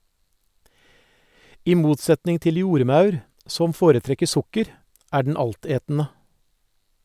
I motsetning til jordmaur, som foretrekker sukker, er den altetende.